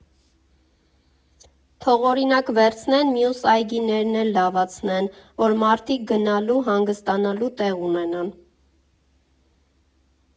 Թող օրինակ վերցնեն, մյուս այգիներն էլ լավացնեն, որ մարդիկ գնալու, հանգստանալու տեղ ունենան։